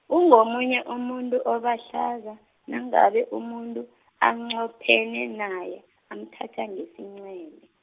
ungomunye umuntu obahlaza, nangabe umuntu, anqophene naye, umthatha ngesincele.